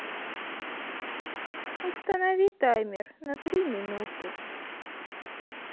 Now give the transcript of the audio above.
установи таймер на три минуты